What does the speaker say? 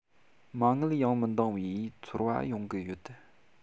མ དངུལ ཡང མི འདང བའི ཚོར བ ཡོང གི ཡོད